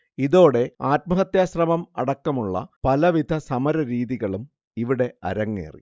ഇതോടെ ആത്മഹത്യ ശ്രമം അടക്കമുള്ള പലവിധ സമരരീതികളും ഇവിടെ അരങ്ങേറി